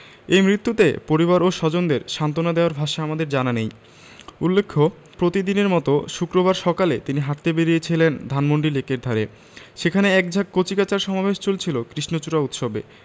এই মৃত্যুতে পরিবার ও স্বজনদের সান্তনা দেয়ার ভাষা আমাদের জানা নেই উল্লেখ্য প্রতিদিনের মতো শুক্রবার সকালে তিনি হাঁটতে বেরিয়েছিলেন ধানমন্ডি লেকের ধারে সেখানে এক ঝাঁক কচিকাঁচার সমাবেশ চলছিল কৃষ্ণচূড়া উৎসবে